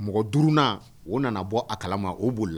Mɔgɔ durunna o nana bɔ a kalama o boli la